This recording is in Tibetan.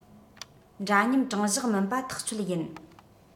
འདྲ མཉམ དྲང གཞག མིན པ ཐག ཆོད ཡིན